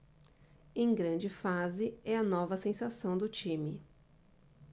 em grande fase é a nova sensação do time